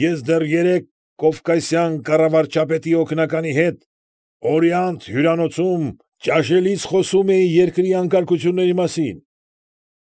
Ես դեռ երեկ Կովկասյան կառավարչապետի օգնականի հետ «Օրիանտ» հյուրանոցում ճաշելիս խոսում էի երկրի անկարգությունների մասին։